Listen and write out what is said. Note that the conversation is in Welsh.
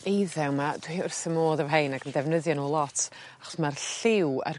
eiddew 'ma dwi wrth 'ym modd efo 'hein ag yn defnyddio n'w lot achos ma'r lliw a'r